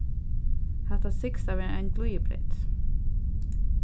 hatta sigst at vera ein glíðibreyt